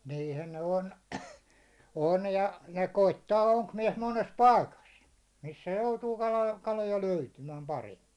niinhän ne on on ja ja koettaa onkimies monessa paikassa missä joutuu - kaloja löytymään paremmin